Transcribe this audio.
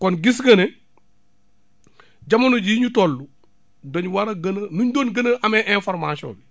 kon gis nga ne jamono jii ñu toll dañu war a gën a li ñu doon gën a amee information